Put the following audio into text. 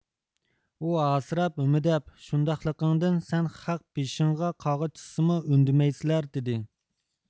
ئۇ ھاسىراپ ھۆمۈدەپ شۇنداقلىقىڭدىن سەن خەق بېشىڭغا قاغا چىچسىمۇ ئۈندىمەيسىلەر دېدى